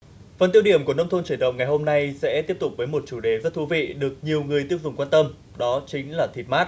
phần tiêu điểm của nông thôn khởi đầu ngày hôm nay sẽ tiếp tục với một chủ đề rất thú vị được nhiều người tiêu dùng quan tâm đó chính là thịt mát